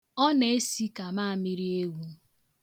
Ọ na-esi ka maamịrị ewu.